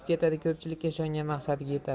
ketadi ko'pchilikka ishongan maqsadiga yetadi